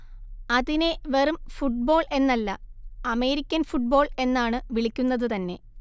അതിനെ വെറും ഫുട്ബോൾ എന്നല്ല അമേരിക്കൻ ഫുട്ബോൾ എന്നാണ് വിളിക്കുന്നത് തന്നെ